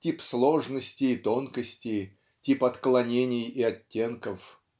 тип сложности и тонкости, тип отклонений и оттенков.